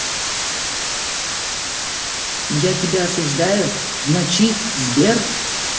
я тебя осуждаю в ночи сбер